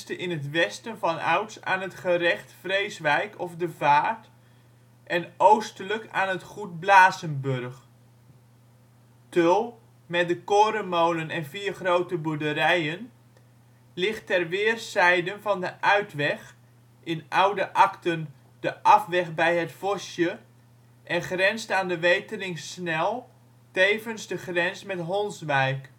in het westen vanouds aan het gerecht Vreeswijk of De Vaart en oostelijk aan het goed Blasenburg. Tull - met de korenmolen en vier grote boerderijen - ligt ter weerszijden van de Uitweg (in oude akten " de afwegh bij het Vosje ") en grenst aan de wetering Snel, tevens de grens met Honswijk